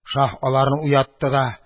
Шаһ аларны уятты да